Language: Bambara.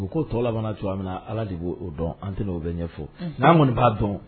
U ko tɔ labana cogoya min na ala de b' oo dɔn an tɛ oo bɛ ɲɛ ɲɛfɔ n'an kɔni b'a dɔn